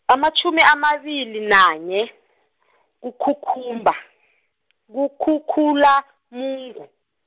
amatjhumi amabili nanye , kukhukhumba-, kuKhukhulamungu.